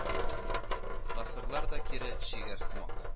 Гасырлар да кире чигәр сымак